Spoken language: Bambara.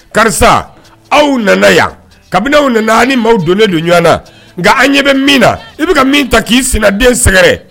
Karisa aw nana yan kabin'aw nana a' ni maaw donnen don ɲɔana nka an ɲɛ be min na i be ka min ta k'i sinaden sɛgɛrɛ